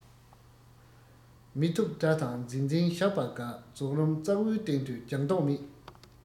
མི ཐུབ དགྲ དང འཛིང འཛིང བཞག པ དགའ མཛོག རུམ གཙག བུའི སྟེང དུ རྒྱག མདོག མེད